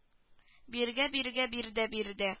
Бирегә бирегә биредә биредә